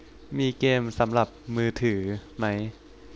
มีเกมสำหรับมือถือไหม